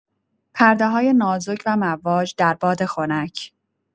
پرده‌های نازک و مواج در باد خنک